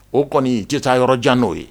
O kɔni tɛta yɔrɔjan n'o ye